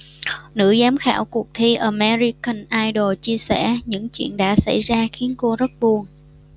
nữ giám khảo cuộc thi american idol chia sẻ những chuyện đã xảy ra khiến cô rất buồn